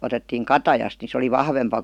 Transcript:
otettiin katajasta niin se oli vahvempi